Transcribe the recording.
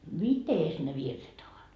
mitenkäs ne virret ovat